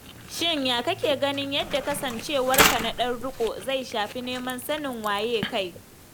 Shin ya kake ganin yadda kasancewarka na ɗan riƙo zai shafi neman sanin waye kai?